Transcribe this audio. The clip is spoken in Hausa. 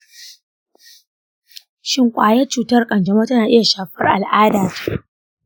shin ƙwayar cutar kanjamau tana iya shafar al'adata?